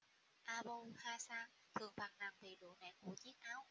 abu hassan thường phàn nàn về độ nặng của chiếc áo